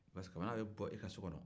parce que kabini a bɛ bɔ i ka so kɔnɔ